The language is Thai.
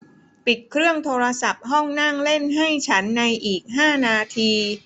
ปิดเครื่องโทรศัพท์ห้องนั่งเล่นให้ฉันในอีกห้านาที